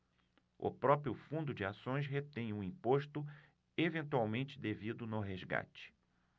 o próprio fundo de ações retém o imposto eventualmente devido no resgate